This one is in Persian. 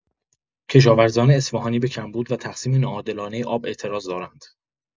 کشاورزان اصفهانی به کمبود و تقسیم ناعادلانه آب اعتراض دارند.